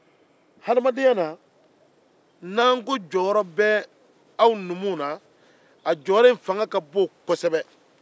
n'an ko jɔyɔrɔ be aw numuw na hadamadenya kɔnɔ a jɔyɔrɔ ka bon kosɛbɛ